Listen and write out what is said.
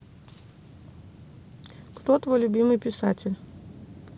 кто твой любимый писатель